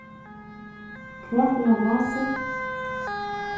hvat er á vási